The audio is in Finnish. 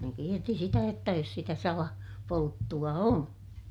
ne kiersi sitä jotta jos sitä - salapolttoa on